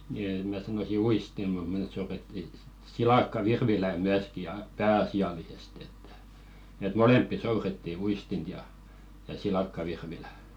niin en minä sanoisi uistin mutta me soudettiin silakkavirvilää myöskin ja pääasiallisesti että että molempia soudettiin uistinta ja ja silakkavirvilää